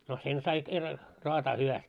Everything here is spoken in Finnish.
no sen sai kerran raataa hyvästi